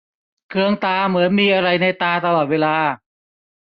เคืองตาเหมือนมีอะไรในตาตลอดเวลา